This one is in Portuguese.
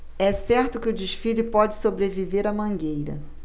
é certo que o desfile pode sobreviver à mangueira